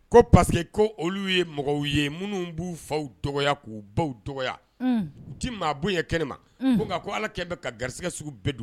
Ko paseke ko olu ye mɔgɔw ye minnu b'u baww dɔgɔ k'u baw dɔgɔ u tɛ maaɲɛ kɛnɛ ma bon nka ko ala kɛlen bɛn ka garisɛgɛ sugu bɛɛ don